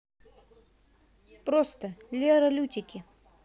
просто лера лютики